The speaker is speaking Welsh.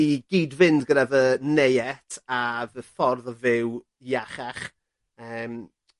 i gyd-fynd gyda fy neiet a fy ffordd o fyw iachach yym...